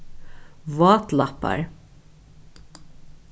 vátlappar